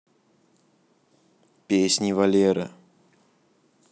песни валеры